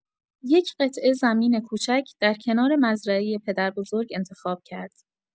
یک قطعه زمین کوچک در کنار مزرعۀ پدربزرگ انتخاب کرد.